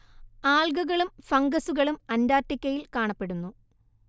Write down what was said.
ആൽഗകളും ഫംഗസുകളും അന്റാർട്ടിക്കയിൽ കാണപ്പെടുന്നു